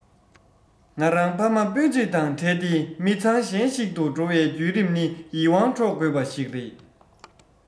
ང རང ཕ མ སྤུན ཆེད དང བྲལ ཏེ མི ཚང གཞན ཞིག ཏུ འགྲོ བའི བརྒྱུད རིམ ནི ཡིད དབང འཕྲོག དགོས པ ཞིག རེད